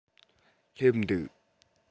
སླེབས འདུག